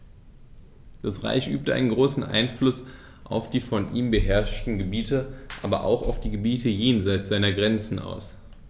Das Reich übte einen großen Einfluss auf die von ihm beherrschten Gebiete, aber auch auf die Gebiete jenseits seiner Grenzen aus.